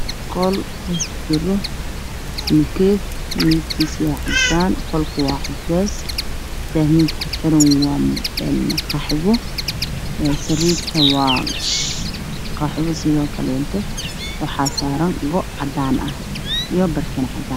Halkaan waxaa ka muuqdo guri uu ku xiran yahay daah cadaan iyo qaxwi ah darbigana waa jaalo waxaana ku xiran mukeef